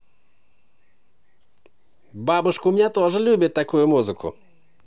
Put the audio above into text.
бабушка у меня тоже любит такую музыку